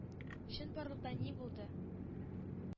Чынбарлыкта ни булды?